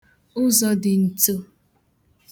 ụzọ̄dị̄n̄tū